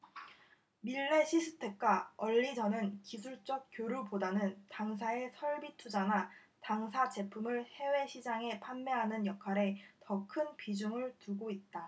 밀레시스텍과 얼리젼은 기술적 교류 보다는 당사에 설비 투자나 당사 제품을 해외시장에 판매하는 역할에 더 큰 비중을 두고 있다